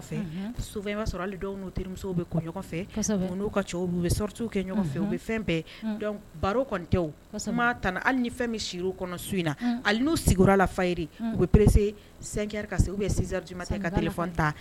Sɔrɔ u bɛ kɛ fɛ u bɛ fɛn barotɛ tan hali ni fɛn bɛ si kɔnɔ in na ani n'u sigi la fa u bɛ pere san ka se u bɛ sinji ka ta